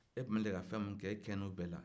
e tun bɛ deli ka fɛn minnu kɛ i kɛɲɛna o bɛɛ la